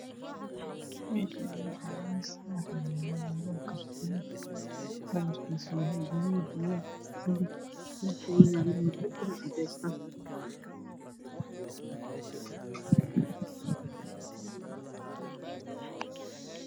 Meeshaani waa miis waxaa yaalo labo kartoon kalarkisa yahay guduud dhulka uu yaalana waa dhul cadays ah